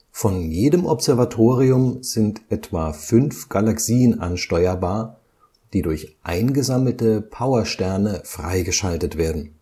Von jedem Observatorium sind etwa fünf Galaxien ansteuerbar, die durch eingesammelte Powersterne freigeschaltet werden